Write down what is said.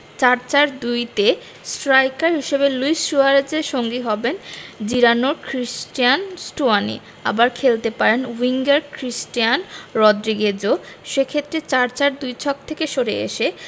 ৪ ৪ ২ তে স্ট্রাইকার হিসেবে লুই সুয়ারেজের সঙ্গী হবেন জিরোনার ক্রিস্টিয়ান স্টুয়ানি আবার খেলাতে পারেন উইঙ্গার ক্রিস্টিয়ান রড্রিগেজকেও সে ক্ষেত্রে ৪ ৪ ২ ছক থেকে সরে এসে